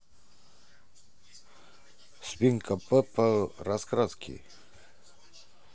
свинка пеппа раскраски